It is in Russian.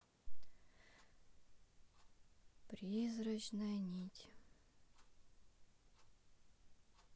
призрачная нить